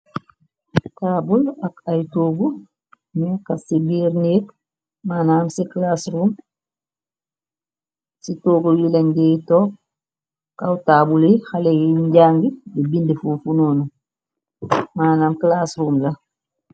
Taabul ak ay tóogu yun kas ci biir neek manam ci class room ci toogu yi lanj deh tork kawtaabul yi xaleh yi ñyu njanguh di bindfo fu noonu maanam class room la.